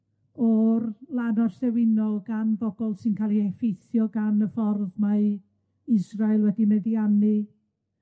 o'r lan orllewinol gan bobol sy'n ca'l eu effeithio gan y ffordd mae Israel wedi meddiannu